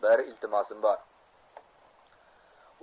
bir iltimosim bor